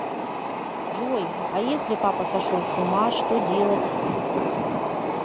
джой а если папа сошел с ума что делать